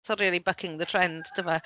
So rili bucking the trend do fe?